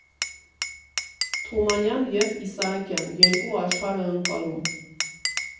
Թումանյան և Իսահակյան. երկու աշխարհընկալում։